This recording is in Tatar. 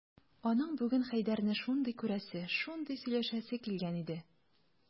Аның бүген Хәйдәрне шундый күрәсе, шундый сөйләшәсе килгән иде...